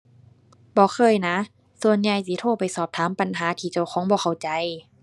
บ่เคยนะ ส่วนใหญ่สิโทรไปสอบถามปัญหาที่เจ้าของบ่เข้าใจ